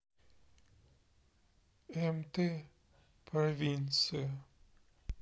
мт провинция